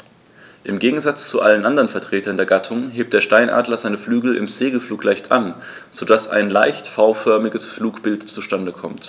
Im Gegensatz zu allen anderen Vertretern der Gattung hebt der Steinadler seine Flügel im Segelflug leicht an, so dass ein leicht V-förmiges Flugbild zustande kommt.